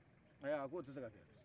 ayi a k'o tise ka kɛ